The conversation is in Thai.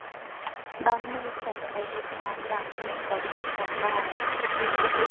บางมื้อข้อยก็ไปเฮ็ดงาน บางมื้อข้อยก็เฮ็ดการบ้าน